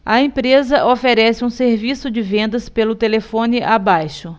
a empresa oferece um serviço de vendas pelo telefone abaixo